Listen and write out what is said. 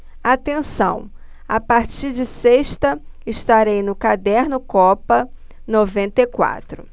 atenção a partir de sexta estarei no caderno copa noventa e quatro